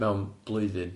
Mewn blwyddyn.